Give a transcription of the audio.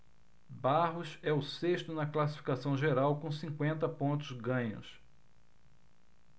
barros é o sexto na classificação geral com cinquenta pontos ganhos